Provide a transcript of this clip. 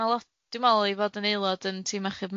Ma' lo- dw me'l i fod yn aelod yn tîm achub